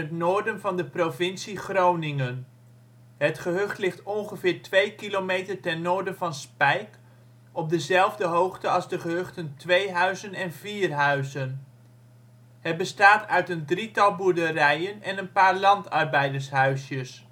noorden van de provincie Groningen. Het gehucht ligt ongeveer twee kilometer ten noorden van Spijk, op dezelfde hoogte als de gehuchten Tweehuizen en Vierhuizen. Het bestaat uit een drietal boerderijen en een paar landarbeidershuisjes